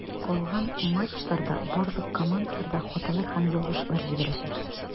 Калган матчларда барлык командалар да хаталар һәм ялгышлыклар җибәрәчәк.